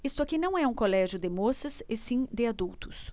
isto aqui não é um colégio de moças e sim de adultos